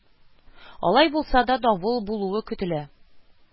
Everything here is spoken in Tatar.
Алай булса да, давыл булуы көтелә